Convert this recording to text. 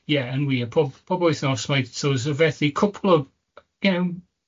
Ie yn wir, pob pob wythnos mae so s- felly cwpwl o, you know